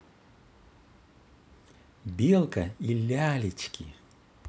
белка и лялечки